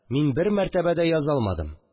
Мин бер мәртәбә дә яза алмадым